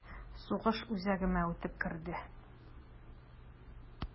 Сугыш үзәгемә үтеп керде...